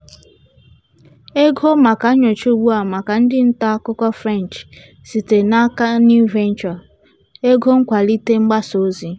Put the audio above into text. Ego maka nyocha ugbu a maka ndị nta akụkọ French sitere n'aka New Venture, ego nkwalite mgbasa ozi.